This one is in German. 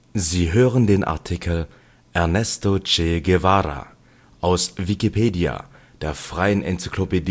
Sie hören den Artikel Che Guevara, aus Wikipedia, der freien Enzyklopädie